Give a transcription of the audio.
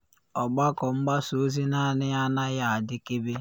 Ọgbakọ mgbasa ozi naanị ya anaghị adịkebe.